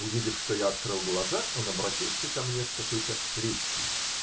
Увидев, что я открыл глаза, он обратился ко мне с какой то речью.